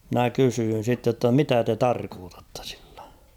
minä kysyn sitten jotta mitä te tarkoitatte sillä